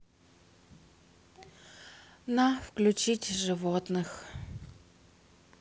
на включить животных